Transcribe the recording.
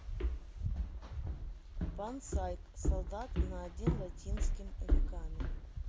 панк сайт солдат на один латинским веками